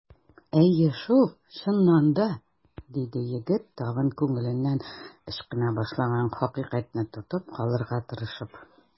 Әйе шул, чыннан да! - диде егет, тагын күңеленнән ычкына башлаган хакыйкатьне тотып калырга тырышып.